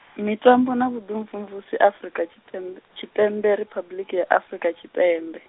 mitambo na vhuḓimvumvusi Afrika Tshipembe, Tshipembe Riphabuḽiki ya Afrika Tshipembe.